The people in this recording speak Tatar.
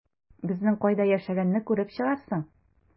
Безнең кайда яшәгәнне күреп чыгарсың...